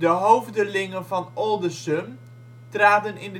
hoofdelingen van Oldersum traden in